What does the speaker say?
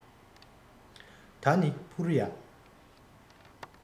ད ནི འཕུར ཡ